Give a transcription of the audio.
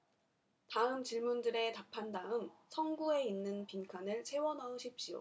다음 질문들에 답한 다음 성구에 있는 빈칸을 채워 넣으십시오